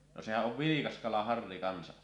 no sehän on vilkas kala harri kanssa